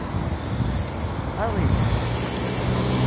алые сердца курю